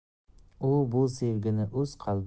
u bu sevgini